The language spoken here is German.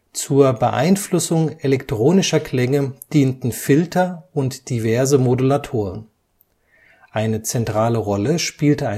Zur Beeinflussung elektronischer Klänge dienten Filter und diverse Modulatoren. Eine zentrale Rolle spielte